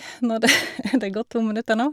når det Er det gått to minutter nå?